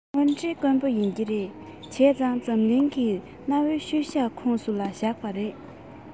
དངོས འབྲེལ དཀོན པོ ཡིན གྱི རེད བྱས ཙང འཛམ གླིང གི གནའ བོའི ཤུལ བཞག ཁོངས སུ བཞག པ རེད